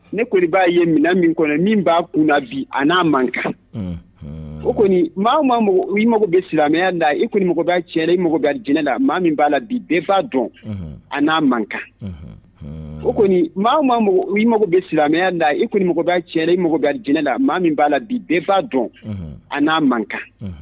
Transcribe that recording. Ne ko ye min min kɔnɔ min b'a kun kunna bi a'a mankan o kɔni maa i mako bɛ silamɛya imɔgɔ cɛ i mɔgɔ jinɛinɛ la maa min b'a la bi den ba dɔn ani'a mankan o kɔni i mako bɛ silamɛya na imɔgɔ cɛ i mɔgɔ jinɛinɛ la maa min b'a la bi den ba dɔn ani n'a mankan